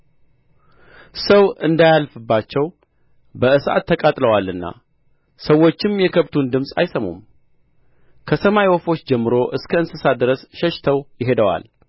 ሰው እንዳያልፍባቸው በእሳት ተቃጥለዋልና ሰዎችም የከብቱን ድምፅ አይሰሙም ከሰማይ ወፎች ጀምሮ እስከ እንስሳ ድረስ ሸሽተው ሄደዋል